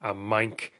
a mainc